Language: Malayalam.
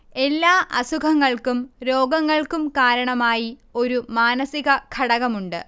എല്ലാ അസുഖങ്ങൾക്കും രോഗങ്ങൾക്കും കാരണമായി ഒരു മാനസികഘടകം ഉണ്ട്